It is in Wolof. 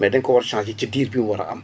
mais dañ ko war a changé ci diir bi mu war a am